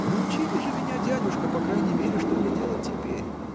– Научите же меня, дядюшка, по крайней мере, что мне делать теперь?